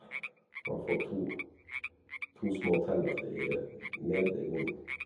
Og har fått to to små tenner i nede i munnen.